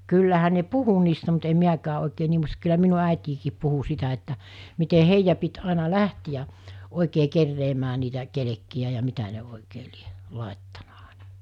kyllähän ne puhui niistä mutta en minäkään oikein niin muista kyllä minun äitikin puhui sitä että miten heidän piti aina lähteä oikein keräämään niitä kelkkejä ja mitä ne oikein lie laittanut aina